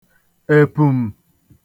èpùm̀